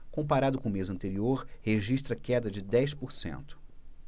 comparado com o mês anterior registra queda de dez por cento